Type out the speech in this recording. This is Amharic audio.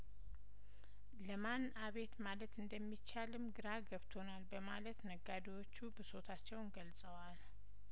ለማን አቤት ማለት እንደሚቻልም ግራ ገብቶናል በማለት ነጋዴዎቹ ብሶታቸውን ገልጸዋል